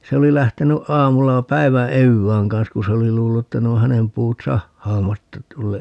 se oli lähtenyt aamulla päivän evään kanssa kun se oli luullut että ne on hänen puut sahaamatta -